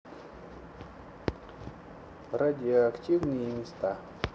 радиоактивные места